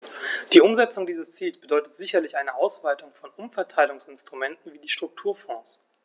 Die Umsetzung dieses Ziels bedeutet sicherlich eine Ausweitung von Umverteilungsinstrumenten wie die Strukturfonds.